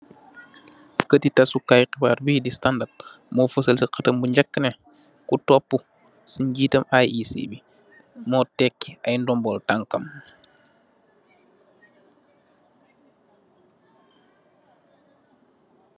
Katti dassu Kai xibarr bi di Standard mo fasal ci xatam bu njak neh , kutopu ci ngeetam IEC mó dehki ay nomboy takam.